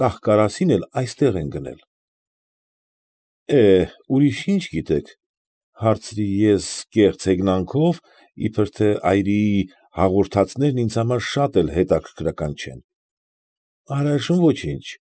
Կահ֊կարասին էլ այսաեղ են գնել։ ֊ Էհ, ուրիշ ինչ գիտեք, ֊ հարցրի ես կեղծ հեգնան քով, իբր թե այրիի հաղորդածներն ինձ համար շատ էլ հետաքրքրական չեն։ ֊ Առայժմ ոչինչ։